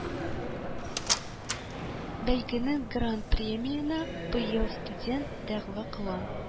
Бәйгенең Гран-приена быел студент дәгъва кыла